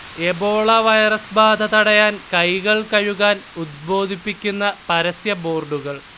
Ebola virus ബാധ തടയാൻ കൈകൾ കഴുകാൻ ഉദ്ബോധിപ്പിക്കുന്ന പരസ്യ ബോർഡുകൾ